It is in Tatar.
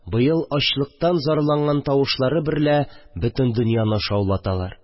Быел ачлыктан зарланган тавышлары берлә бөтен дөньяны шаулаталар